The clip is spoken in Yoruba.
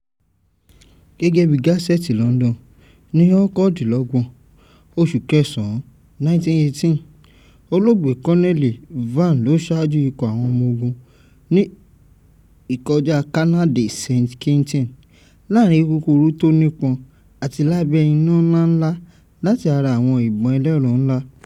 Gẹ́gẹ́bí Gásẹ́ẹ̀tì London, ní 29 oṣù kẹsàn án 1918, Lt Col Van ló saájú ìkọ̀ àwọn ọmọ ogun ní ìkọjá Canal de Saint-Quentin “láàrin kurukuru tó nípọ̀n àti lábẹ́ ẹ iná ńlá ńla láti ara àwọn ìbọ́n ẹlẹ́rọ ńlá."